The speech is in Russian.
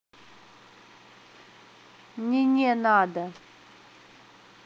нине надо